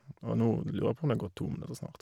Og nå lurer jeg på om det har gått to minutter snart.